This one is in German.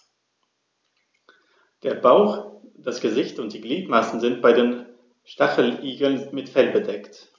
Der Bauch, das Gesicht und die Gliedmaßen sind bei den Stacheligeln mit Fell bedeckt.